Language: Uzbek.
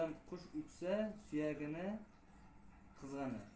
dan qush uchsa suyagini qizg'anar